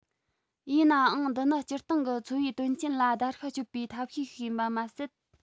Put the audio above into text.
ཡིན ནའང འདི ནི སྤྱིར བཏང གི འཚོ བའི དོན རྐྱེན ལ བརྡར ཤ གཅོད པའི ཐབས ཤེས ཤིག ཡིན པ མ ཟད